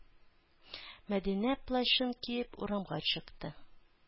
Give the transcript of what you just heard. Мәдинә плащын киеп урамга чыкты.